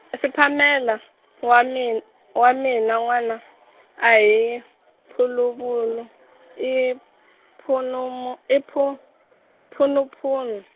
a Shiphamela, wa min- wa mina n'wana, a hi , Puluvulu, i phunumu- i phu- Punupunu.